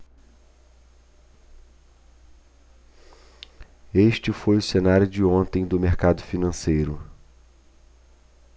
este foi o cenário de ontem do mercado financeiro